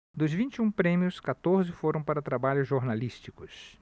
dos vinte e um prêmios quatorze foram para trabalhos jornalísticos